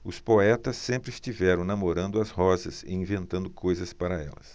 os poetas sempre estiveram namorando as rosas e inventando coisas para elas